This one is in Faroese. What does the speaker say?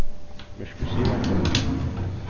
myrkur siropur